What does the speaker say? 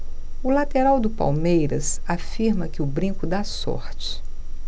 o lateral do palmeiras afirma que o brinco dá sorte